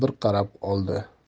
bir qarab oldi